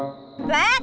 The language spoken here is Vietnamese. bác